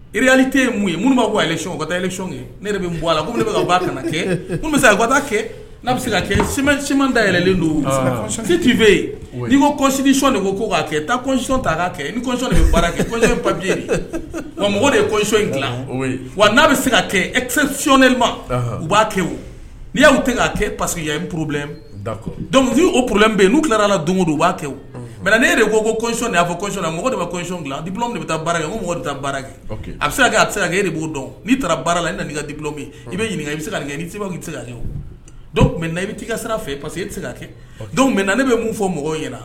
Irealili tɛ mun ye minnu b' bɔc o ka taa yɛlɛc ne de bɛ bɔ la ka' ka kɛ bɛ se kata kɛ n'a bɛ se ka kɛman da yɛlɛlen don t' fɛ yen n'i ko kɔsicɔn de ko k' kɛ taasɔnɔn ta k' kɛ nisɔn de baara kɛɛ papi mɔgɔ de ye kɔsɔn in dila wa n'a bɛ se ka kɛ ekisɛɛ ma u b'a kɛ o n'i y' tɛ k' kɛ pa que ye porobi da donfin o purorolenbɛn yen n'u tilara la don don u b'a kɛ mɛ ne de ko kosɔn nin' fɔsɔn mɔgɔ de bɛsɔn ni de bɛ taa baara kɛ mɔgɔ de taa baara kɛ a bɛ se' se e de b'o dɔn n'i taara baara la i na ka di bilalɔ min i bɛ ɲininka i bɛ se ka kɛ ni'i se ka na i bɛ' i ka sira fɛ yen paseke i tɛ se k'a kɛ mɛ na ne bɛ mun fɔ mɔgɔw in ɲɛna